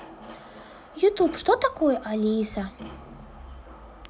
ютуб что такое алиса